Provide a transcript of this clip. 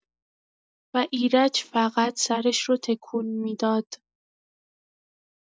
و ایرج فقط سرش رو تکون می‌داد.